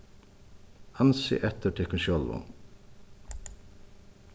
ansið eftir tykkum sjálvum